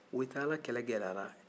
woyitala kɛlɛ gɛlɛyara